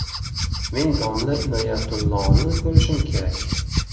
men domla inoyatulloni ko'rishim kerak